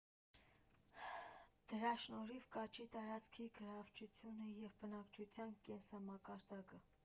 Դրա շնորհիվ կաճի տարածքի գրավչությունը և բնակչության կենսամակարդակը։